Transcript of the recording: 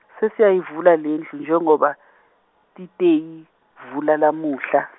Sengiyayivula lendlu njengoba ngiteyivula lamuhla.